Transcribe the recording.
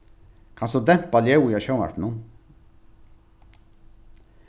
kanst tú dempa ljóðið á sjónvarpinum